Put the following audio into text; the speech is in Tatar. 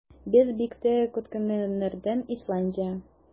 Без бик тә көткәннәрдән - Исландия.